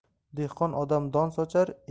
dehqon odam don sochar